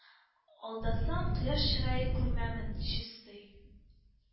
Алдасам, кояш чырае күрмәмен, чистый